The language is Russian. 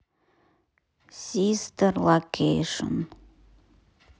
систер локейшн